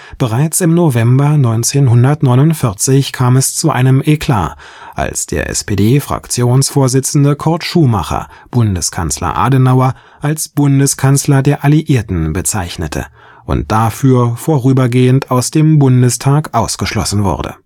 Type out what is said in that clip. Bereits im November 1949 kam es zu einem Eklat, als der SPD-Fraktionsvorsitzende Kurt Schumacher Bundeskanzler Adenauer als „ Bundeskanzler der Alliierten “bezeichnete und dafür vorübergehend aus dem Bundestag ausgeschlossen wurde